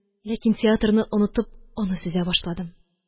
Ләкин театрны онытып, аны сөзә башладым.